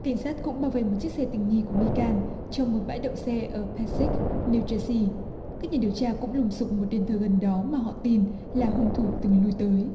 cảnh sát cũng bao vây một chiếc xe tình nghi của nghi can trong một bãi đậu xe ở pe sích neu te sy các nhà điều tra cũng lùng sục một đền thờ gần đó mà họ tin là hung thủ từng lui tới